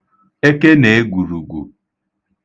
ekenèegwùrùgwù